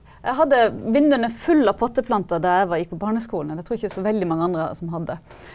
jeg hadde vinduene fulle av potteplanter da jeg gikk på barneskolen, og det tror jeg ikke så veldig mange andre som hadde.